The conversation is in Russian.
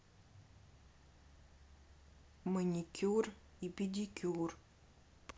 маникюр и педикюр